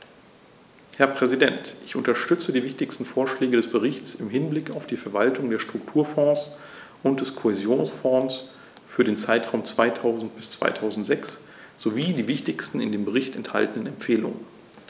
Herr Präsident, ich unterstütze die wichtigsten Vorschläge des Berichts im Hinblick auf die Verwaltung der Strukturfonds und des Kohäsionsfonds für den Zeitraum 2000-2006 sowie die wichtigsten in dem Bericht enthaltenen Empfehlungen.